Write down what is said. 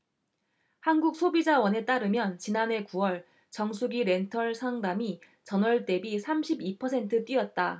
한국소비자원에 따르면 지난해 구 월 정수기렌털 상담이 전월대비 삼십 이 퍼센트 뛰었다